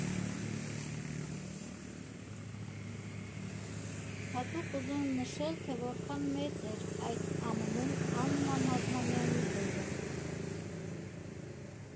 Հատուկ ուզում եմ նշել, թե որքան մեծ էր այդ ամենում Աննա Մազմանյանի դերը։